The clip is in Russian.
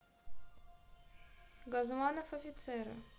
газманов офицеры